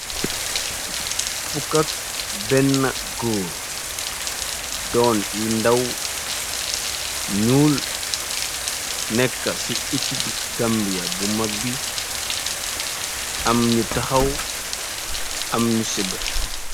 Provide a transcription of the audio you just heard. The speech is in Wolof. Fukk-benne góor, doon yi ndaw ñuul, nekk ci ikibi Gambiya bu mag bi, am ñu taxaw am ñu segga.